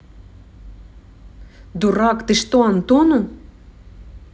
дурак ты что антону